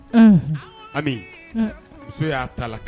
Unhun Ami uun muso y'a ta la ka